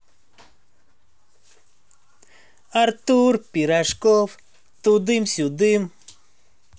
артур пирожков тудым сюдым